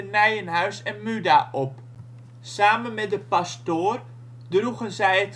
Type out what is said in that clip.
Nijenhuis en Muda op. Samen met de pastoor droegen zij